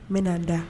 N bɛna'a da